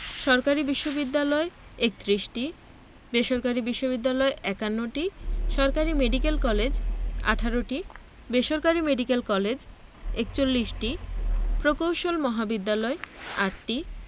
সরকারি বিশ্ববিদ্যালয় ৩১টি বেসরকারি বিশ্ববিদ্যালয় ৫১টি সরকারি মেডিকেল কলেজ ১৮টি বেসরকারি মেডিকেল কলেজ ৪১টি প্রকৌশল মহাবিদ্যালয় ৮টি